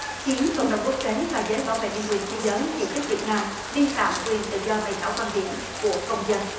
khiến cộng đồng quốc tế và giới bảo vệ nhân quyền thế giới chỉ trích việt nam vi phạm quyền tự do bày tỏ quan điểm của công dân